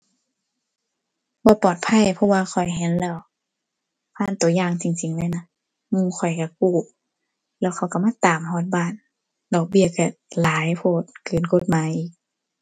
บ่ปลอดภัย เพราะว่าข้อยเห็นแล้ว ผ่านตัวอย่างจริงจริงเลยนะ หมู่ข้อยตัวกู้ แล้วเขาตัวมาตามฮอดบ้าน ดอกเบี้ยตัวหลายโพด เกินกฎหมาย